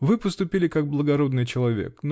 Вы поступили как благородный человек